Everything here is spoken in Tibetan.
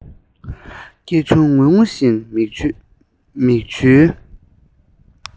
སྐད ཆུང ངུས ངུ བཞིན མིག ཆུའི